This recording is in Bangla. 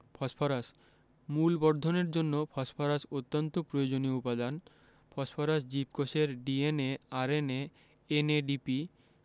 ফসফরাস মূল বর্ধনের জন্য ফসফরাস অত্যন্ত প্রয়োজনীয় উপাদান ফসফরাস জীবকোষের D N A R N A N A D P